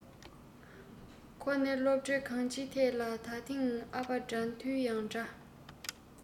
ཁོ ནི སློབ གྲྭའི གང སྤྱིའི ཐད ལ ད ཐེངས ཨ ཕ དགྲ འདུལ ཡང འདྲ